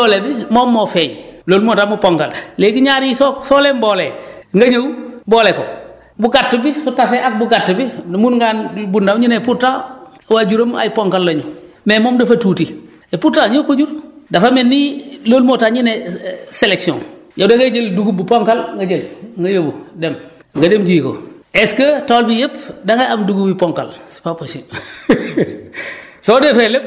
mais bu ëpp doole bi moom moo feeñ loolu moo tax mu ponkal léegi ñaar yii soo soo leen boolee nga ñëw boole ko bu gàtt bi su tasee ak bu gàtt bi mën ngaa bu ndaw ñu ne pourtant waajuram ay ponkal la ñu mais moom dafa tuuti et pourtant ñoo ko jur dafa mel ni loolu moo tax ñu ne selection yow da ngay jël dugub bu ponkal nga jël nga yóbbu dem nga dem ji ko est ce que tool bi yëpp da ngay am dugub yu ponkal c' est pas possible